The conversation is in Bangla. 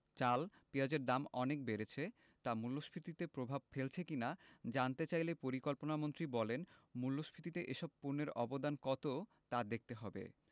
চাল পেঁয়াজের দাম অনেক বেড়েছে তা মূল্যস্ফীতিতে প্রভাব ফেলছে কি না জানতে চাইলে পরিকল্পনামন্ত্রী বলেন মূল্যস্ফীতিতে এসব পণ্যের অবদান কত তা দেখতে হবে